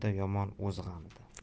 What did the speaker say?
yomon o'z g'amida